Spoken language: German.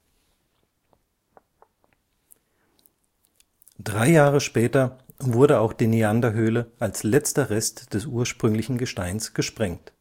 Drei Jahre später wurde auch die Neanderhöhle als letzter Rest des ursprünglichen Gesteins gesprengt